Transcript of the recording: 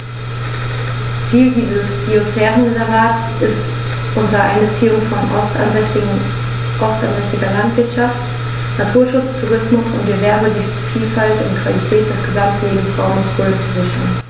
Ziel dieses Biosphärenreservates ist, unter Einbeziehung von ortsansässiger Landwirtschaft, Naturschutz, Tourismus und Gewerbe die Vielfalt und die Qualität des Gesamtlebensraumes Rhön zu sichern.